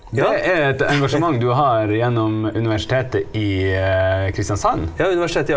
det er et engasjement du har gjennom universitetet i Kristiansand?